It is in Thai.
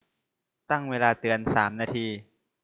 ตั้งเวลาเตือนสามนาที